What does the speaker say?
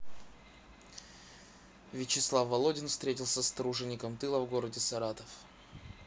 вячеслав володин встретился с тружеником тыла в городе саратов